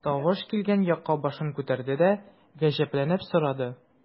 Тавыш килгән якка башын күтәрде дә, гаҗәпләнеп сорады.